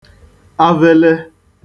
avele